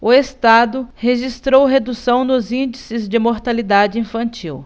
o estado registrou redução nos índices de mortalidade infantil